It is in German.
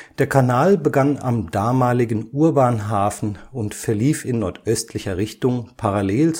Der Kanal begann am damaligen Urbanhafen und verlief in nordöstlicher Richtung parallel